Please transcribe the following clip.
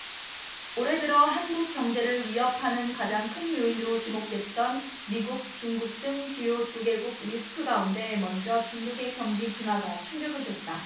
올해 들어 한국 경제를 위협하는 가장 큰 요인으로 지목됐던 미국 중국 등 주요 두 개국 리스크 가운데 먼저 중국의 경기 둔화가 충격을 줬다